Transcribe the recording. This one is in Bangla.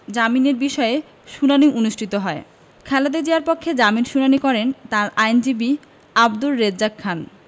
জামিনের বিষয়ে শুনানি অনুষ্ঠিত হয় খালেদা জিয়ার পক্ষে জামিন শুনানি করেন তার আইনজীবী আব্দুর রেজ্জাক খান